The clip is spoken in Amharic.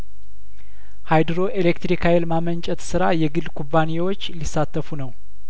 ሀይድሮ ኤሌክትሪክ ሀይል ማመንጨት ስራ የግል ኩባንያዎች ሊሳተፉ ነው